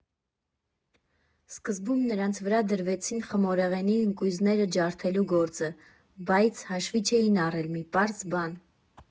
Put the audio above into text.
Սկզբում նրանց վրա դրվեց խմորեղենի ընկույզները ջարդելու գործը, բայց հաշվի չէին առել մի պարզ բան.